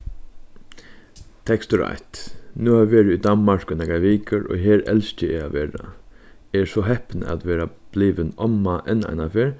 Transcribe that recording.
tekstur eitt nú havi eg verið í danmark í nakrar vikur og her elski eg at vera eg eri so heppin at vera blivin omma enn eina ferð